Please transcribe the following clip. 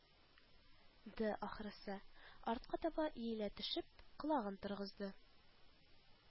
Ды, ахрысы, артка таба иелә төшеп, колагын торгызды